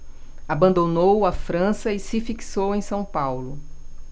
abandonou a frança e se fixou em são paulo